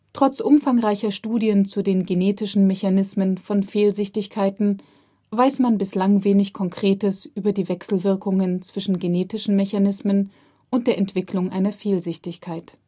Trotz umfangreicher Studien zu den genetischen Mechanismen von Fehlsichtigkeiten weiß man bislang wenig Konkretes über die Wechselwirkungen zwischen genetischen Mechanismen und der Entwicklung einer Fehlsichtigkeit